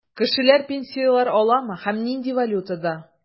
Кешеләр пенсияләр аламы һәм нинди валютада?